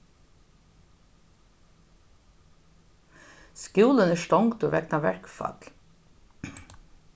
skúlin er stongdur vegna verkfall